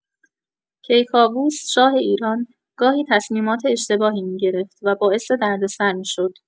کیکاووس، شاه ایران، گاهی تصمیمات اشتباهی می‌گرفت و باعث دردسر می‌شد.